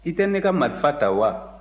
i tɛ ne ka marifa ta wa